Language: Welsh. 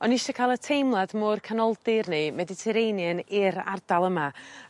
o'n i isie ca'l y teimlad môr Canoldir ne Mediterranean i'r ardal yma